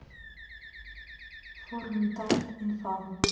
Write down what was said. fortnite инфа